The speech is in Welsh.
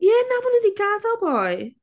Ie na maen nhw 'di gadael boi.